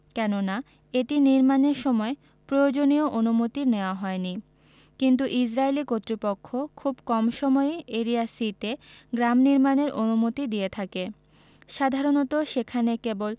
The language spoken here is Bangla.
কেননা এটি নির্মাণের সময় প্রয়োজনীয় অনুমতি নেওয়া হয়নি কিন্তু ইসরাইলি কর্তৃপক্ষ খুব কম সময়ই এরিয়া সি তে গ্রাম নির্মাণের অনুমতি দিয়ে থাকে সাধারণত সেখানে কেবল